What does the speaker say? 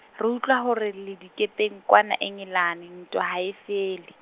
re utlwa hore le dikepeng kwana Engelane ntwa ha e fele.